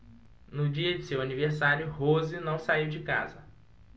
no dia de seu aniversário rose não saiu de casa